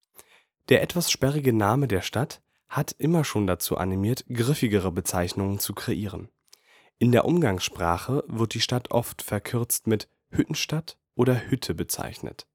Der etwas sperrige Name der Stadt hat immer schon dazu animiert, griffigere Bezeichnungen zu kreieren. In der Umgangssprache wird die Stadt oft verkürzt mit „ Hüttenstadt “oder „ Hütte “bezeichnet